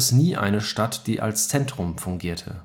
nie eine Stadt, die als Zentrum fungierte